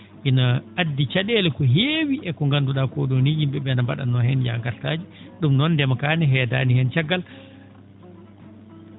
ina addi ca?eele ko heewi e ko ngandu?aa ko ?oni yim?e ?ee no mba?atnoo heen yaha ngartaaji ?um noon ndema kaa ne heedaani hen caggal